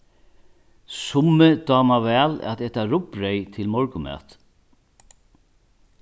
summi dáma væl at eta rugbreyð til morgunmat